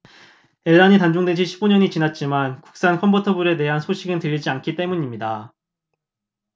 엘란이 단종된 지 십 오 년이 지났지만 국산 컨버터블에 대한 소식은 들리지 않기 때문입니다